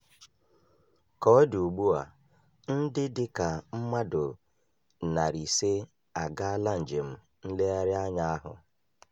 Ka ọ dị ugbu a, ihe dị ka mmadụ 500 agaala njem nlegharị anya ahụ.